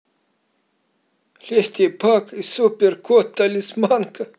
леди баг и супер кот талисманка